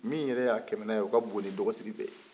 min yɛrɛ y'a kɛmɛnan o ka bon ni dɔgɔsiri bɛɛ ye